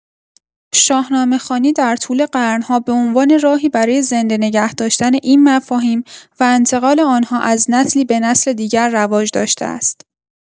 شاهنامه‌خوانی در طول قرن‌ها به عنوان راهی برای زنده نگه‌داشتن این مفاهیم و انتقال آن‌ها از نسلی به نسل دیگر رواج داشته است.